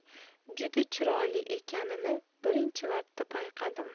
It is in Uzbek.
juda chiroyli ekanini birinchi marta payqadim